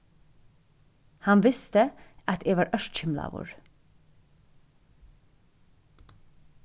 hann visti at eg var ørkymlaður